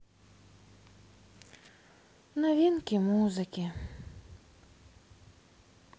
новинки музыки